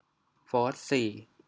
โฟธสี่